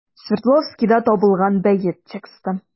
Свердловскида табылган бәет тексты.